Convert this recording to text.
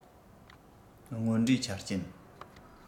སྔོན འགྲོའི ཆ རྐྱེན